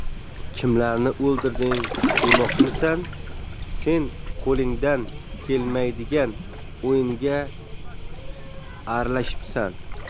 kimlarni o'ldirding demoqchimisan sen qo'lingdan kelmaydigan o'yinga aralashibsan